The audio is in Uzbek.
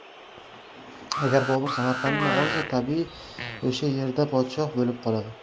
agar bobur samarqandni olsa tabiiy o'sha yerda podshoh bo'lib qoladi